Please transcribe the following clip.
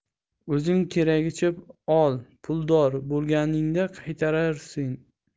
o'zing keragicha ol puldor bo'lganingda qaytarursen